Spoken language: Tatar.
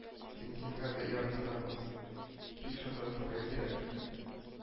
“бензинга бәя арттырабыз” дип шантажларга кирәкми